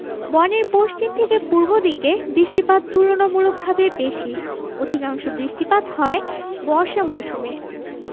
বনের পশ্চিম থেকে পূর্ব দিকে বৃষ্টিপাত তুলনামূলকভাবে বেশি অধিকাংশ বৃষ্টিপাত হয় বর্ষা মৌসুমে